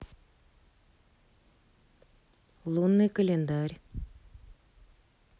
лунный календарь